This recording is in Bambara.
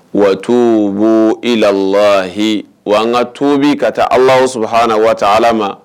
Wa tubo i la lahi wa an ka tubi ka taa ala saba h na waa ala ma